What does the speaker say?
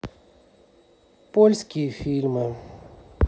польские фильмы